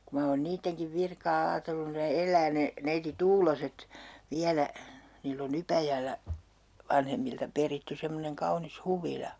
kun minä olen niidenkin virkaa ajatellut ne elää ne neiti Tuuloset vielä niillä on Ypäjällä vanhemmilta peritty semmoinen kaunis huvila